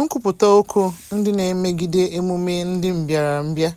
Nkwupụta okwu ndị na-emegide emume ndị mbịarambịa